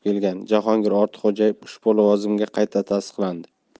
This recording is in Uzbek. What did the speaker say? kelgan jahongir ortiqxo'jayev ushbu lavozimga qayta tasdiqlandi